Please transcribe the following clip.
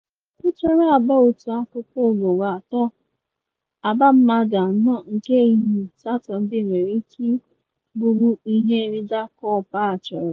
Ka akụchara agba otu akụkụ ugboro atọ, agba mmadụ anọ nke ehihe Satọde nwere ike bụrụ ihe Ryder Cup a chọrọ.